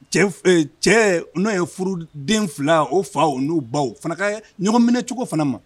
Cɛ n'o ye furu den fila o fa n'u baw fana ka ɲɔgɔn minɛcogo fana ma